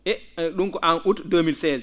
et ?um ko en aout 2016